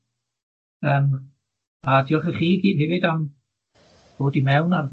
yym a diolch i chi i gyd hefyd am dod i mewn ar